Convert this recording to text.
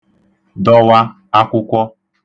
dọwa akwụkwọ